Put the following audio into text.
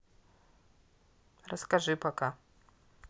расскажи пока